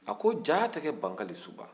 a ko jaa tigɛ bankalisuba